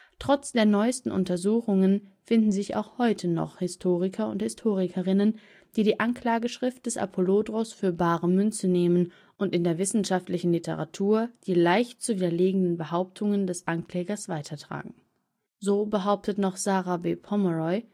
Trotz der neuesten Untersuchungen finden sich auch heute noch Historiker und Historikerinnen, die die Anklageschrift des Apollodoros für bare Münze nehmen und in der wissenschaftlichen Literatur die leicht zu widerlegenden Behauptungen des Anklägers weitertragen. So behauptet noch Sarah B. Pomeroy